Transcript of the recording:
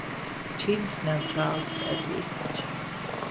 kynsneutralt ella ikki